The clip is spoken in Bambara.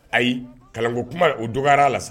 Ayi kalanko kuma o dɔgɔyara la sa